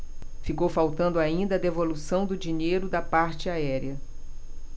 ficou faltando ainda a devolução do dinheiro da parte aérea